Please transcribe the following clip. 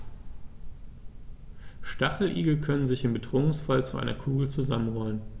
Stacheligel können sich im Bedrohungsfall zu einer Kugel zusammenrollen.